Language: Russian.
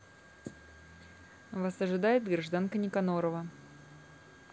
вас ожидает гражданка никанорова